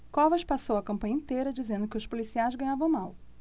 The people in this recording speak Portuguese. covas passou a campanha inteira dizendo que os policiais ganhavam mal